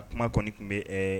Kuma kɔni tun bɛ